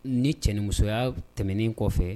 Ni cɛnmusoya tɛmɛnen kɔfɛ